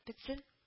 Бетсен